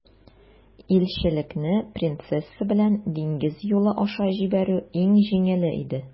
Илчелекне принцесса белән диңгез юлы аша җибәрү иң җиңеле иде.